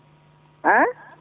han